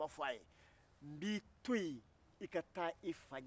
an bin denmisɛnniw tɛ masa lamɛnna